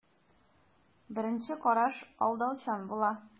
Беренче караш алдаучан була.